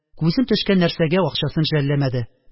Күзем төшкән нәрсәгә акчасын жәлләмәде